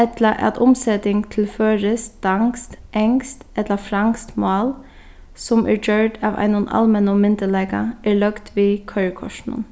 ella at umseting til føroyskt danskt enskt ella franskt mál sum er gjørd av einum almennum myndugleika er løgd við koyrikortinum